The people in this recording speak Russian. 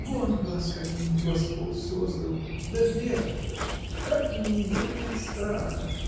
Вон вас каким Господь создал — да Вера-то: как на нее нет страха!